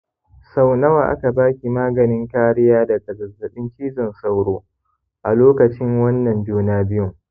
sau nawa aka ba ki maganin kariya daga zazzaɓin cizon sauro a lokacin wannan juna biyun?